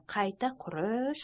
qayta qurish